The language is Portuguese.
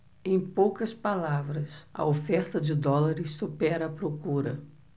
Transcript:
em poucas palavras a oferta de dólares supera a procura